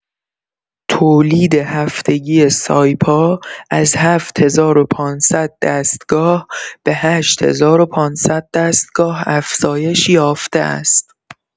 تولید هفتگی سایپا از ۷۵۰۰ دستگاه به ۸۵۰۰ دستگاه افزایش یافته است.